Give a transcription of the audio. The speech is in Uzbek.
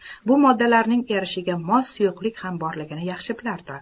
bu moddalarning erishiga mos suyuqlik ham borligini yaxshi bilardi